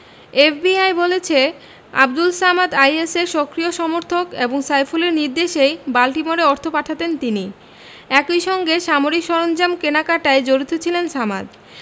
FBI বলেছে আবদুল সামাদ আইএসের সক্রিয় সমর্থক এবং সাইফুলের নির্দেশেই বাল্টিমোরে অর্থ পাঠাতেন তিনি একই সঙ্গে সামরিক সরঞ্জাম কেনাকাটায় জড়িত ছিলেন সামাদ